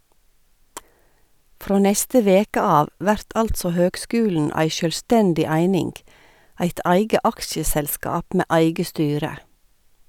Frå neste veke av vert altså høgskulen ei sjølvstendig eining, eit eige aksjeselskap med eige styre.